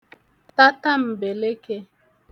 tatam̀bèlekē